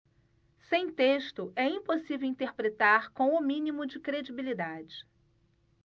sem texto é impossível interpretar com o mínimo de credibilidade